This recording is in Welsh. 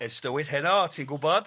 Ys tywyll heno, ti'n gwybod.